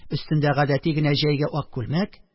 Өстендә гадәти генә җәйге ак күлмәк